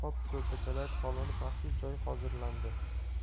va kimxob ko'rpachalar solinib maxsus joy hozirlandi